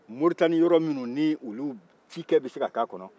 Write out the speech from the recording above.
muritani yɔrɔ minnu ni olu cikɛ bɛ se ka kɛ a kɔnɔ